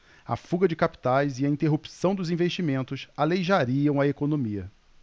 a fuga de capitais e a interrupção dos investimentos aleijariam a economia